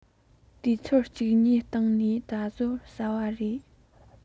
དུས ཚོད གཅིག གཉིས སྟེང ནས ད གཟོད ཟ བ རེད